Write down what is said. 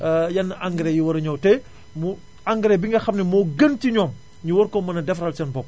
yenn engrais yu war a ñëw te mu engrais bi nga xam ne moo gën ci ñoom ñu war ko mën a defaral seen bopp